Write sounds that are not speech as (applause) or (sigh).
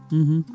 (hesitation) (hesitation)